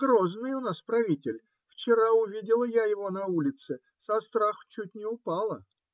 Грозный у нас правитель: вчера увидела я его на улице, со страху чуть не упала.